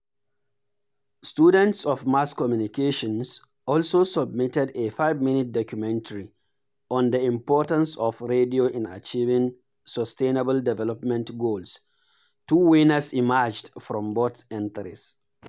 Students of mass communications also submitted a 5-minute documentary on the importance of radio in achieving sustainable development goals. Two winners emerged from both entries.